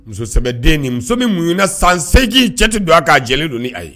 Muso sɛbɛden muso min muɲunna san 8 cɛ tɛ don a kan a jɛnlen don a ye